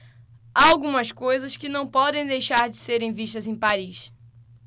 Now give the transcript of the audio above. há algumas coisas que não podem deixar de serem vistas em paris